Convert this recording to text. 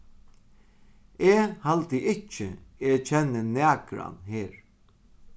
eg haldi ikki eg kenni nakran her